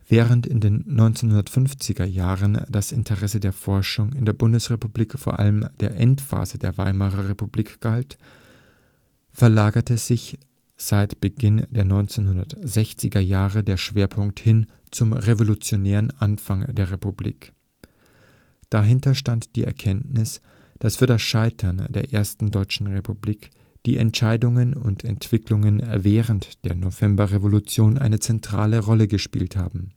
Während in den 1950er Jahren das Interesse der Forschung in der Bundesrepublik vor allem der Endphase der Weimarer Republik galt, verlagerte sich seit Beginn der 1960er Jahre der Schwerpunkt hin zum revolutionären Anfang der Republik. Dahinter stand die Erkenntnis, dass für das Scheitern der ersten deutschen Republik die Entscheidungen und Entwicklungen während der Novemberrevolution eine zentrale Rolle gespielt haben